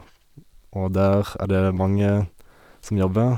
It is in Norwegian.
Og der er det mange som jobber.